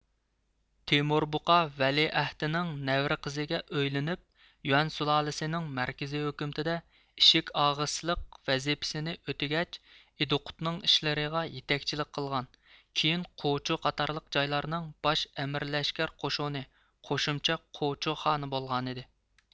تېمۇربۇقا ۋەلىئەھدنىڭ نەۋرە قىزىگە ئۆيلىنىپ يۈەن سۇلالىسىنىڭ مەركىزىي ھۆكۈمىتىدە ئىشىكئاغىسىلىق ۋەزىپىسىنى ئۆتىگەچ ئىدىقۇتنىڭ ئىشلىرىغا يېتەكچىلىك قىلغان كېيىن قوچو قاتارلىق جايلارنىڭ باش ئەمىرلەشكەر قوشۇنى قوشۇمچە قوچو خانى بولغانىدى